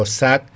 sac